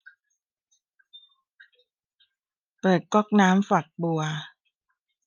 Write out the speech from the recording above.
เปิดก๊อกน้ำฝักบัว